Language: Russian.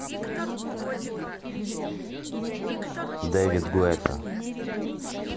david guetta